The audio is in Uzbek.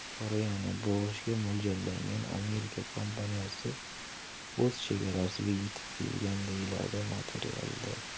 koreani bo'g'ishga mo'ljallangan amerika kampaniyasi o'z chegarasiga yetib kelgan deyiladi materialda